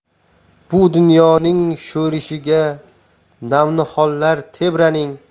bu dunyoning sho'rishiga navnihollar tebraning